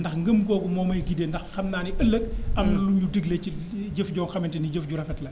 ndax ngëm googu moo may guidé ndax xam naa ne ëllëg am na nu muy duggee ci jëf joo xamante ni jëf ju rafet la